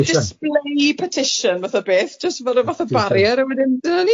display partition fath o beth jyst fel y fatha barrier a wedyn dyna ni.